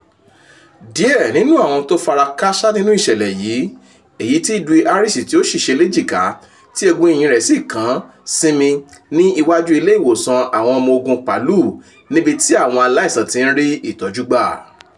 Díẹ̀ nínú àwọn tó fara káṣá nínú ìṣẹ̀lẹ̀ yìí, èyí tí Dwi Harris tí ó ṣìṣe léjìká ,tí egun ẹ̀yìn rẹ̀ sì kán sinmi ní iwájú ilé ìwòsàn Palu's Army, níbi tí àwọn aláìsàn ti ń rí ìtọ́jú gbà.